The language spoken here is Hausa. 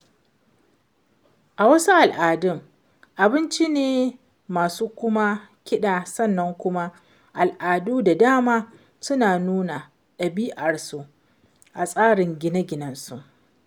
A wasu al'adun, abinci ne, wasu kuwa kiɗa sannan kuma al'adu da dama suna nuna ɗabi'arsu a tsarin gine-ginensu.